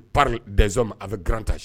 Pa dɛsɛzme a bɛ garanrantasi